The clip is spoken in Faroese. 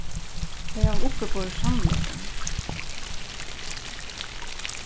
tey hava uppiborið sannleikan